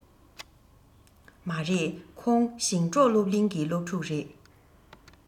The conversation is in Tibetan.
མ རེད ཁོང ཞིང འབྲོག སློབ གླིང གི སློབ ཕྲུག རེད